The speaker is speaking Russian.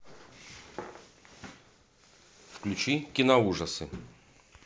включи киноужасы